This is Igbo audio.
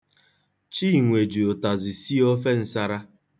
Chinwe ji ụtazị sie ofe nsara.